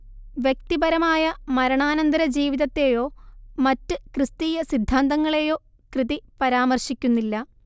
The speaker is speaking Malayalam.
വ്യക്തിപരമായ മരണാനന്തരജീവിതത്തേയോ മറ്റു ക്രിസ്തീയ സിദ്ധാന്തങ്ങളേയോ കൃതി പരാമർശിക്കുന്നില്ല